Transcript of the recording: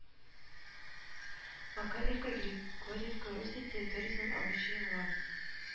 Макарьевка Григорьевка Русия территориясеннән агучы елга